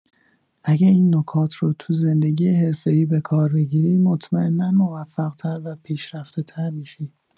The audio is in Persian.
اگه این نکات رو تو زندگی حرفه‌ای به‌کار بگیری، مطمئنا موفق‌تر و پیشرفته‌تر می‌شی.